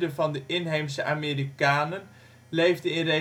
van de inheemse Amerikanen leefde in